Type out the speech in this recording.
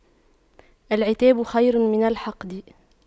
العتاب خير من الحقد